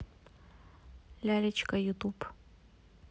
лялечка ютуб